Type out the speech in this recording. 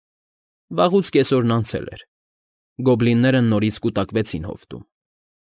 Վաղուց կեսօրն անցել էր։ Գոբլինները նորից կուտակվեցին հովտում։